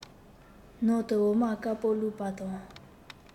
ནང དུ འོ མ དཀར པོ བླུགས པ དང